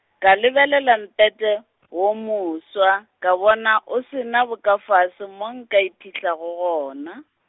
ka lebelela Mpete , wo mofsa, ka bona o se na bokafase mo nka iphihlago gona.